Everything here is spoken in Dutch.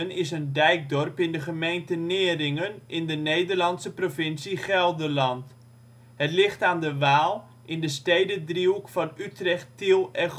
is een dijkdorp in de gemeente Neerijnen, in de Nederlandse provincie Gelderland. Het dorp ligt aan de Waal, in de stedendriehoek van Utrecht Tiel en